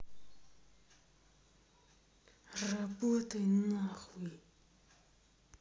работай нахуй